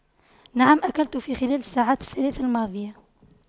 نعم أكلت في خلال الساعات الثلاث الماضية